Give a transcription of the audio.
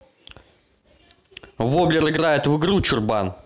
воблер играет в игру чурбан